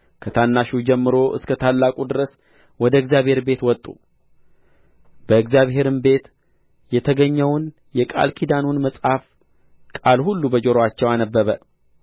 ከታናሹ ጀምሮ እስከ ታላቁ ድረስ ወደ እግዚአብሔር ቤት ወጡ በእግዚአብሔርም ቤት የተገኘውን የቃል ኪዳኑን መጽሐፍ ቃል ሁሉ በጆሮአቸው አነበበ